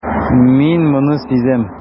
Мин моны сизәм.